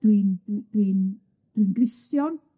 dwi'n dwi dwi'n dwi'n Gristion.